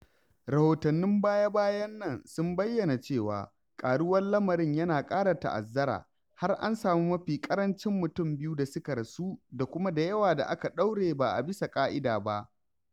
Rahotannin baya-bayan nan sun bayyana cewa "ƙaruwar lamarin" yana ƙara ta'azzara, har an sami mafi ƙarancin mutum biyu da suka rasu da kuma da yawa da aka ɗaure ba a bisa ƙa'ida ba.